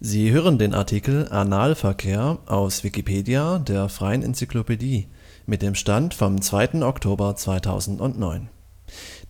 Sie hören den Artikel Analverkehr, aus Wikipedia, der freien Enzyklopädie. Mit dem Stand vom